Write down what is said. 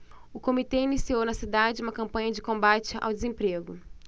o comitê iniciou na cidade uma campanha de combate ao desemprego